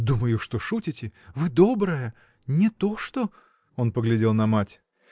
— Думаю, что шутите: вы добрая, не то что. Он поглядел на мать.